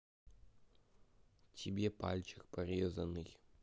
тебе пальчик порезанный